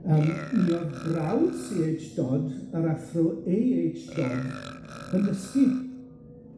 Yym mi o'dd brawd See Aitch Dodd, yr athro Ay Aitch Dodd yn dysgu.